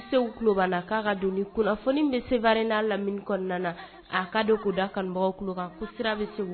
Seku tulo b'an na k'a ka don kunnafoni min bɛ Sevare n'a lamini kɔnɔna na a ka don k'o da kanubagaw tulo kan ko sira bɛ Segu